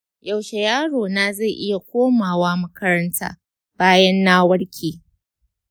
yaushe yaro na zai iya komawa makaranta bayan na warke?